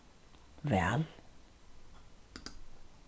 væl